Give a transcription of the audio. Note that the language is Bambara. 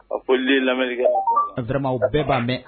A fɔlen lamɛnmɛlitigɛ anma o bɛɛ b'a mɛn